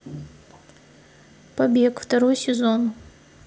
побег второй сезон